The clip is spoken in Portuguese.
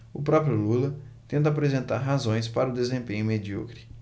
o próprio lula tenta apresentar razões para o desempenho medíocre